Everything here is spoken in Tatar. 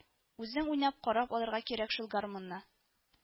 Үзең уйнап карап алырга кирәк шул гармунны. \